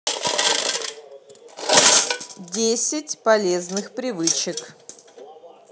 десять полезных привычек